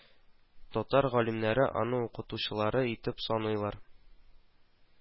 Татар галимнәре аны укытучылары итеп саныйлар